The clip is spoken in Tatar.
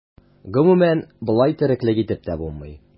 Гомумән, болай тереклек итеп тә булмый.